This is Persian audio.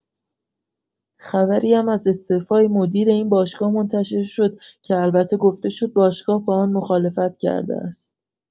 خبری هم از استعفای مدیر این باشگاه منتشر شد که البته گفته شد باشگاه با آن مخالفت کرده است.